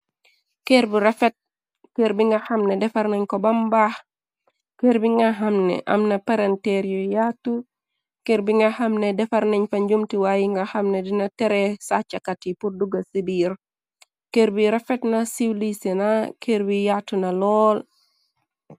Kër bu refet, kër bi nga xamne defar nañ ko bambaax, kër bi nga xamne amna parenteer yu yattu, kër bi nga xam ne defar nañ fa njumti waayi nga xamne dina tere sàccakat yi purduga ci biir, kër bi rafet na silwisena kër bi yaatu na lool.